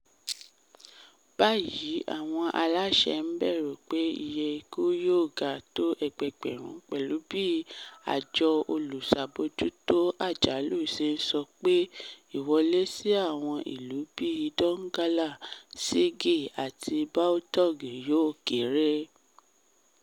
Báyìí, àwọn aláṣẹ ń bẹ̀rù pé iye ikú yóò ga tó ẹgbẹgbẹ̀rún pẹ̀lú bí àjọ olùṣàbójútó àjálù ṣe ń sọ pé ìwọlé sì àwọn ìlú bíi Donggala, Sigi àti Boutong yóò kére.